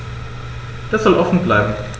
Das soll offen bleiben.